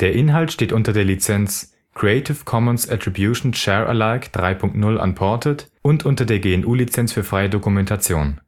Inhalt steht unter der Lizenz Creative Commons Attribution Share Alike 3 Punkt 0 Unported und unter der GNU Lizenz für freie Dokumentation